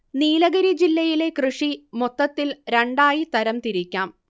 നീലഗിരി ജില്ലയിലെ കൃഷി മൊത്തത്തിൽ രണ്ടായി തരം തിരിക്കാം